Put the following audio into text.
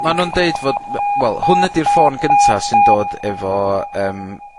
...ma nw'n deud fod my- wel hwn ydi'r ffôn gynta sy'n dod efo yym